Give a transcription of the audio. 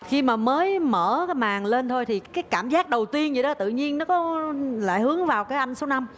khi mà mới mở cái màn lên thôi thì cái cảm giác đầu tiên vậy đó thì tự nhiên nó có lại hướng vào cái anh số năm